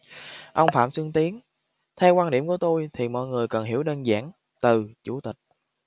ông phạm xuân tiến theo quan điểm của tôi thì mọi người cần hiểu đơn giản từ chủ tịch